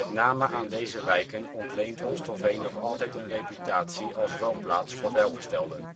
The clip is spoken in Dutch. name aan deze wijken ontleent Amstelveen nog altijd een reputatie als woonplaats voor welgestelden